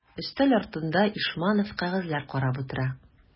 Өстәл артында Ишманов кәгазьләр карап утыра.